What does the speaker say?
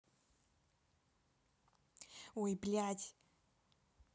ой блядь